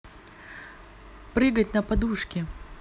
прыгать на подушке